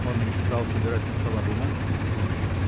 Он стал собирать со стола бумаги и книги.